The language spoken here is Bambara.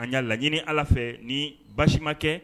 An y'a laɲinii Ala fɛ nii basi makɛɛ